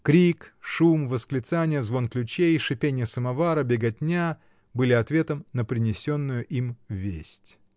Крик, шум, восклицания, звон ключей, шипенье самовара, беготня — были ответом на принесенную им весть.